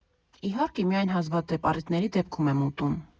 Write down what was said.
Իհարկե, միայն հազվադեպ՝ առիթների դեպքում եմ ուտում։